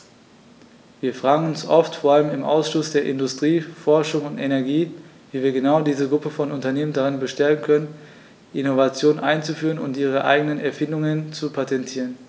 Wir fragen uns oft, vor allem im Ausschuss für Industrie, Forschung und Energie, wie wir genau diese Gruppe von Unternehmen darin bestärken können, Innovationen einzuführen und ihre eigenen Erfindungen zu patentieren.